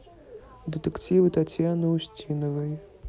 детективы татьяны устиновой